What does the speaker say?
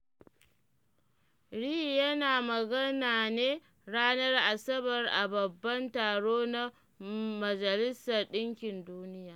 Ri yana magana ne ranar Asabar a Babban Taro na Majalisar Ɗinkin Duniya.